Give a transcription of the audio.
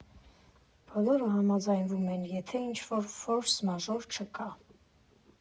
Բոլորը համաձայնվում են, եթե ինչ֊որ ֆորս մաժոր չկա։